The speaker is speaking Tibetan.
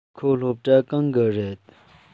ཁོ སློབ གྲྭ གང གི རེད